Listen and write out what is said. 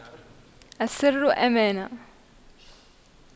السر أمانة